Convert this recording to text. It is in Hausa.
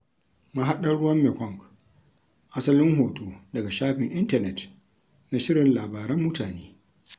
Mahaɗar ruwan Mekong. Asalin hoto daga shafin intanet na "shirin Labaran mutane".